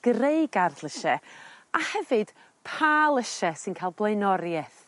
greu gardd lyshe a hefyd pa lyshe sy'n ca'l blaenorieth.